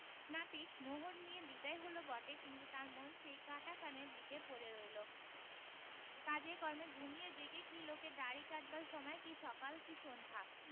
নাপিত মোহর নিয়ে বিদায় হল বটে কিন্তু তার মন সেই কাটা কানের দিকে পড়ে রইল কাজে কর্মে ঘুমিয়ে জেগে কী লোকের দাড়ি কাটবার সময় কী সকালম কী সন্ধ্যা